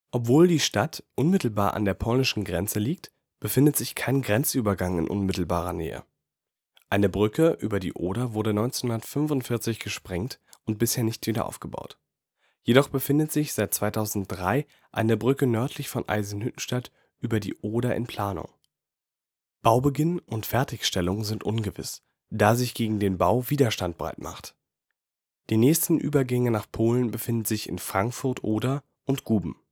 Obwohl die Stadt unmittelbar an der polnischen Grenze liegt, befindet sich kein Grenzübergang in unmittelbarer Nähe. Eine Brücke über die Oder wurde 1945 gesprengt und bisher nicht wieder aufgebaut. Jedoch befindet sich seit 2003 eine Brücke nördlich von Eisenhüttenstadt über die Oder in Planung. Baubeginn und Fertigstellung sind ungewiss, da sich gegen den Bau Widerstand breit macht. Die nächsten Übergänge nach Polen befinden sich in Frankfurt (Oder) und Guben